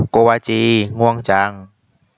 โกวาจีง่วงจัง